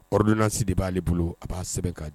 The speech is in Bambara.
Ordnansi de b'ale bolo a b'a sɛbɛn ka di